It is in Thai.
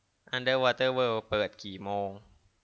อันเดอร์วอเตอร์เวิล์ดเปิดกี่โมง